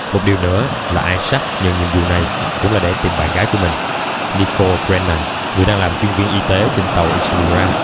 một điều nữa là isaac nhận nhiệm vụ này cũng là để tìm bạn gái của mình nicole brennan người đang làm chuyên viên y tế trên tàu ishimura